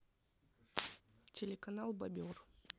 телеканал бобер